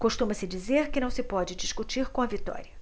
costuma-se dizer que não se pode discutir com a vitória